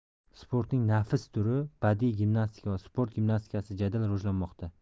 sportning nafis turi badiiy gimnastika va sport gimnastikasi jadal rivojlanmoqda